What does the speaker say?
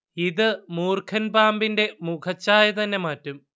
ഇത് മൂർഖൻ പറമ്പിന്റെ മുഖച്ഛായ തന്നെ മാറ്റും